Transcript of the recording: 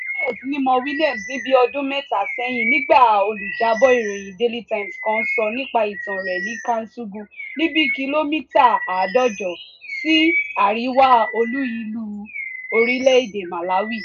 Ayé bẹ̀rẹ̀ sí ní mọ William ní bíi ọdún mẹta sẹ́yìn nígbà olújábọ̀ ìròyìn Daily Times kan sọ nípa ìtàn rẹ̀ ní Kasungu ní bíi kìlómítà 150 sí àríwá olú ìlú orílẹ̀-èdè Malawi.